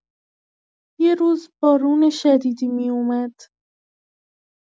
یه روز بارون شدیدی می‌اومد.